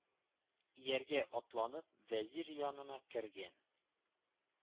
Ияргә атланып, вәзир янына кергән.